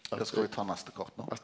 ja skal vi ta neste kart nå?